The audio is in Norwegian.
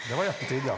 det var jappetid ja.